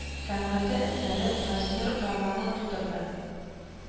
Сәнгате әсәре газинур романын тудырды